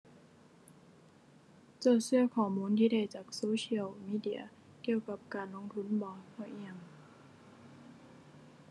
เจ้าเชื่อข้อมูลที่ได้จาก social media เกี่ยวกับการลงทุนบ่ เพราะอิหยัง